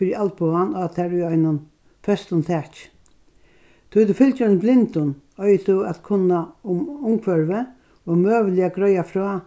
fyri albogan á tær í einum føstum taki tá ið tú fylgir einum blindum eigur tú at kunna um umhvørvið og møguliga greiða frá